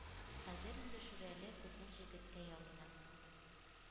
Хәзер инде Шүрәле безнең Җегеткә ялына,